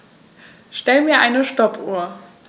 Stell mir eine Stoppuhr.